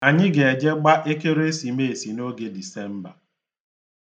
Anyị ga-eje gba Ekeresimesi n'oge Disemba.